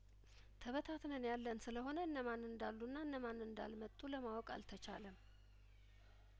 ተበታትነን ያለን ስለሆነ እነማን እንዳሉና እነማን እንዳልመጡ ለማወቅ አልተቻለም